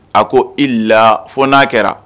A ko i la fo n'a kɛra